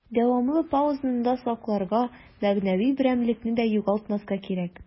Дәвамлы паузаны да сакларга, мәгънәви берәмлекне дә югалтмаска кирәк.